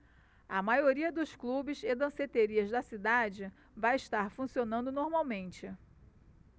a maioria dos clubes e danceterias da cidade vai estar funcionando normalmente